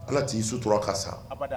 Ala t'i sutura ka sa